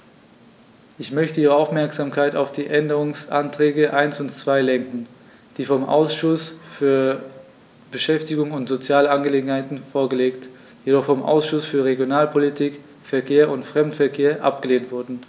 Ich möchte Ihre Aufmerksamkeit auf die Änderungsanträge 1 und 2 lenken, die vom Ausschuss für Beschäftigung und soziale Angelegenheiten vorgelegt, jedoch vom Ausschuss für Regionalpolitik, Verkehr und Fremdenverkehr abgelehnt wurden.